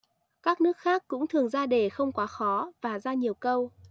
các nước khác cũng thường ra đề không quá khó và ra nhiều câu